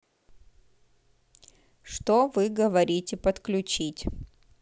что вы говорите подключить